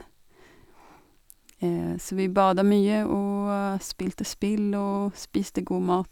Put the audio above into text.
Så vi bada mye og spilte spill og spiste god mat.